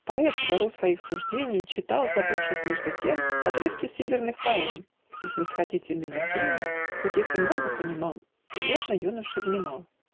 Поэт в жару своих суждений Читал, забывшись, между тем Отрывки северных поэм, И снисходительный Евгений, Хоть их не много понимал, Прилежно юноше внимал.